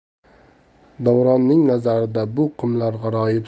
davronning nazarida bu qumlar g'aroyib